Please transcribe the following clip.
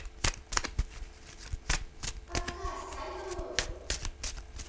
пока салют